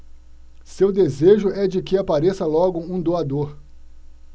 seu desejo é de que apareça logo um doador